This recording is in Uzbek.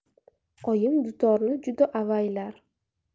oyim dutorni juda avaylar